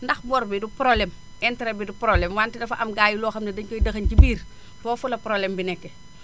ndax bor bi du problème interet bi du problème wante dafa am gars yi loo xam ne dañu koy dëxañ ci biir foofu la problème bi nekkee